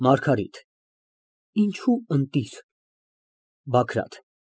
ՄԱՐԳԱՐԻՏ ֊ Ինչո՞ւ ընտիր։ ԲԱԳՐԱՏ ֊